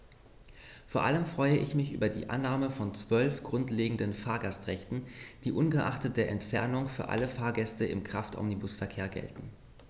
Vor allem freue ich mich über die Annahme von 12 grundlegenden Fahrgastrechten, die ungeachtet der Entfernung für alle Fahrgäste im Kraftomnibusverkehr gelten.